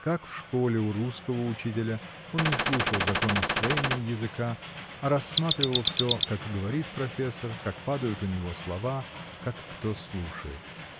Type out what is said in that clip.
Как в школе у русского учителя, он не слушал законов строения языка, а рассматривал всё, как говорит профессор, как падают у него слова, как кто слушает.